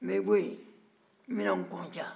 n bɛ bɔ yen n bɛ na nkɔnja